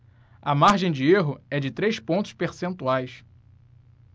a margem de erro é de três pontos percentuais